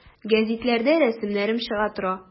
Гәзитләрдә рәсемнәрем чыга тора.